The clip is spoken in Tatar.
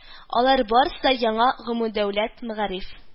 Алар барысы да яңа гомумдәүләт мәгариф